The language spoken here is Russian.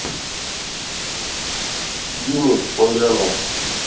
дюмин поляна